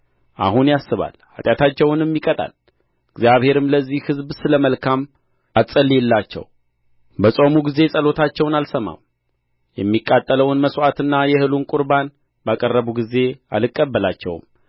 አሁን ያስባል ኃጢአታቸውንም ይቀጣል እግዚአብሔርም ለዚህ ሕዝብ ስለ መልካም አትጸልይላቸው በጾሙ ጊዜ ጸሎታቸውን አልሰማም የሚቃጠለውን መሥዋዕትና የእህሉን ቍርባን ባቀረቡ ጊዜ አልቀበላቸውም